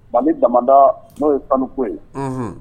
Ban damada n'o ye kanuko ye